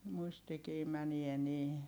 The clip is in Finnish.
muistikin menee niin